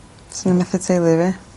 Swn i'n methu teulu fi.